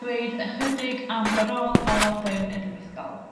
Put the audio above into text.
dweud ychydig am dy rôl o fewn y brifysgol?